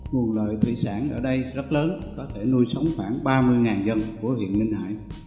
nguồn lợi thủy sản ở đây rất lớn có thể nuôi sống khoãn ba mươi ngàn dân của huyện ninh hải